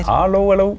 hallo hallo.